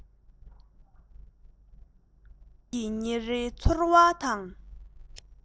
ཁྱོད ཀྱི ཉིན རེའི ཚོར བ དང